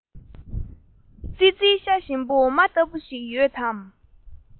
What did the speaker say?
ཙི ཙིའི ཤ ཞིམ པོ འོ མ ལྟ བུ ཞིག ཡོད དམ